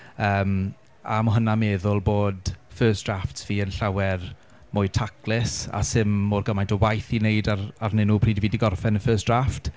yym a ma' hwnna'n meddwl bod first drafts fi yn llawer mwy taclus a sim mor gymaint o waith i wneud ar arnyn nhw pryd fi 'di gorffen y first draft.